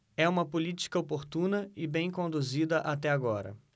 é uma política oportuna e bem conduzida até agora